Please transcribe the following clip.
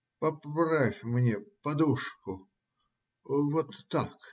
Поправь мне подушку. вот так.